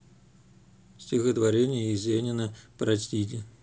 стихотворение есенина прочтите